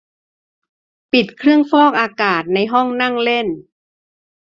ปิดเครื่องฟอกอากาศในห้องนั่งเล่น